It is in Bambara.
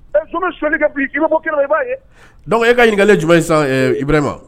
I dɔnku e ka ɲi kɛ jumɛn sisan ib ma